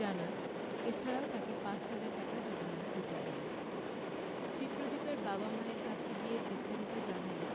জানান এ ছাড়াও তাকে পাঁচ হাজার টাকা জরিমানা দিতে হবে চিত্রদীপের বাবা মায়ের কাছে গিয়ে বিস্তারিত জানালে